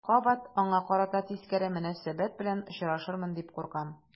Кабат аңа карата тискәре мөнәсәбәт белән очрашырмын дип куркам.